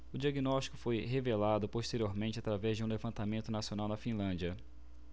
o diagnóstico foi revelado posteriormente através de um levantamento nacional na finlândia